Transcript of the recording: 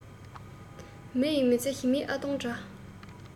མི ཡིས མི ཚེ ཞི མིའི ཨ སྟོང འདྲ